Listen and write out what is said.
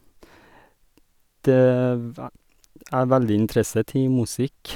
det v æ Jeg er veldig interessert i musikk.